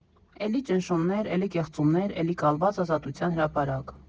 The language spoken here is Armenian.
Էլի ճնշումներ, էլի կեղծումներ, էլի կալված Ազատության հրապարակ։